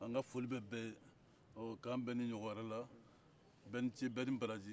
n ka foli bɛ bɛɛ ye k'an bɛ nin ɲɔgɔn wɛrɛ la bɛɛ ni ce bɛɛ ni baraji